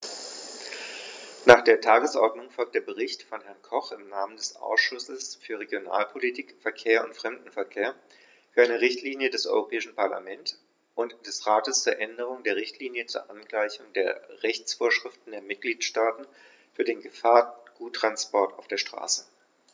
Nach der Tagesordnung folgt der Bericht von Herrn Koch im Namen des Ausschusses für Regionalpolitik, Verkehr und Fremdenverkehr für eine Richtlinie des Europäischen Parlament und des Rates zur Änderung der Richtlinie zur Angleichung der Rechtsvorschriften der Mitgliedstaaten für den Gefahrguttransport auf der Straße.